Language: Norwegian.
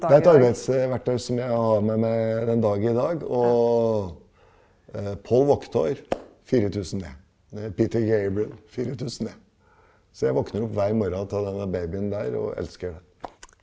det er et arbeidsverktøy som jeg har med meg en dag i dag, og Paul Waaktaar 4000 E, Pete Gabriel 4000 E, så jeg våkner opp hver morgen til denne babyen der og elsker det.